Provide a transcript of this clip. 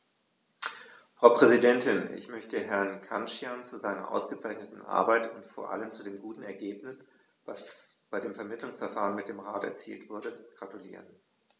Frau Präsidentin, ich möchte Herrn Cancian zu seiner ausgezeichneten Arbeit und vor allem zu dem guten Ergebnis, das bei dem Vermittlungsverfahren mit dem Rat erzielt wurde, gratulieren.